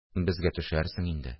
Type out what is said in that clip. – безгә төшәрсең инде